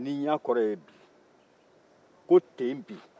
niyan kɔrɔ ye di ko ten bi